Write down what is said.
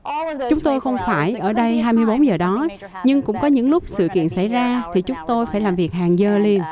chúng tôi không phải ở đây hai mươi bốn giờ đó nhưng cũng có những lúc sự kiện xảy ra thì chúng tôi phải làm việc hàng giờ liền